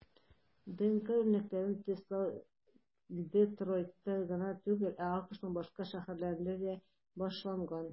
ДНК үрнәкләрен тестлау Детройтта гына түгел, ә АКШның башка шәһәрләрендә дә башланган.